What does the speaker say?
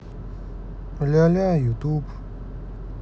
ляля ютуб